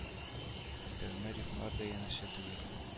Өстәвенә рифмалар да янәшә түгел